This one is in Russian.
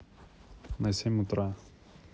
на семь утра